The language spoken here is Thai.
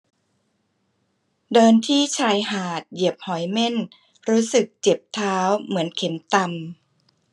เดินที่ชายหาดเหยียบหอยเม่นรู้สึกเจ็บเท้าเหมือนเข็มตำ